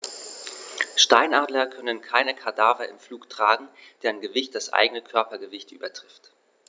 Steinadler können keine Kadaver im Flug tragen, deren Gewicht das eigene Körpergewicht übertrifft.